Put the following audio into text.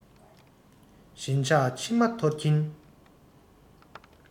ཞེན ཆགས མཆི མ འཐོར གྱིན